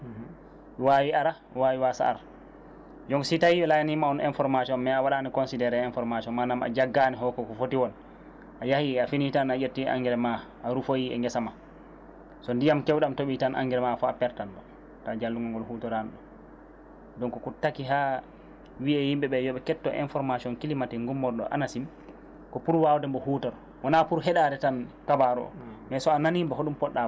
wawi ara wawi waasa ar jooni si tawi ɓe layanimama information mais a waɗi considéré information manam a jaggani holko footi woon a yaahi a fini tan a ƴetti engrais ma a rufoyi geesa ma so ndiyam kewɗam tooɓi tan engrais o foof a perde tanmo ta jallugol ngol hutoraki ɗum donc ko takki ha wiiye yimɓe ɓe yooɓe ketto information climatique gummorɗo ANACIM ko pour wawdemo huutor wona pour heɗade tan kabaru o mais so a nanimo hoɗum poɗɗa waad